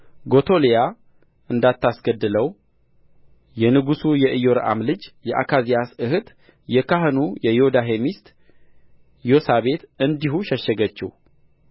ጎቶሊያ እንዳታስገድለው የንጉሡ የኢዮራም ልጅ የአካዛያስ እኅት የካህኑ የዮዳሄ ሚስት ዮሳቤት እንዲሁ ሸሸገችው